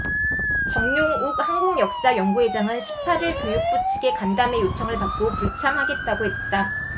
정용욱 한국역사연구회장은 십 팔 일 교육부 측의 간담회 요청을 받고 불참하겠다고 했다